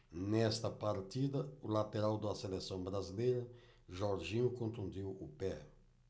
nesta partida o lateral da seleção brasileira jorginho contundiu o pé